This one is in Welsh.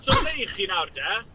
So ble 'y chi nawr, de?